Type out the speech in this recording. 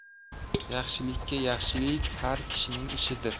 yaxshilikka yaxshilik har kishining ishidir